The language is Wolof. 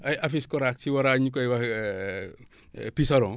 ay affiches aphiscora sivora ñu koy wax puceron